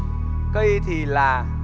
cây thì là